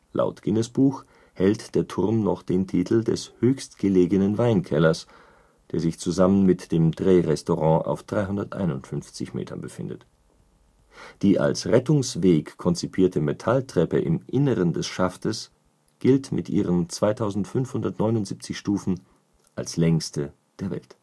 Laut Guinness-Buch hält der Turm noch den Titel des höchstgelegenen Weinkellers, der sich zusammen mit dem Drehrestaurant auf 351 Meter befindet. Die als Rettungsweg konzipierte Metalltreppe im Inneren des Schaftes gilt mit ihren 2579 Stufen als längste der Welt